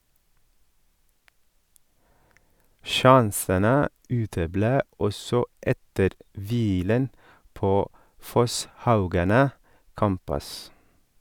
Sjansene uteble også etter hvilen på Fosshaugane Campus.